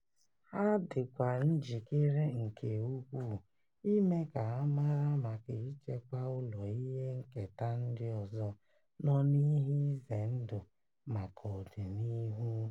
Ha dị kwa njikere nke ukwuu ime ka a mara maka ichekwa ụlọ ihe nketa ndị ọzọ nọ n'ihe ize ndụ maka ọdịnihu.